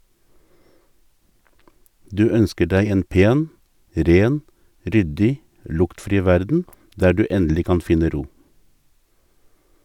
Du ønsker deg en pen, ren, ryddig, luktfri verden der du endelig kan finne ro.